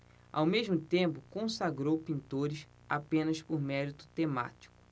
ao mesmo tempo consagrou pintores apenas por mérito temático